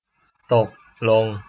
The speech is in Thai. ตกลง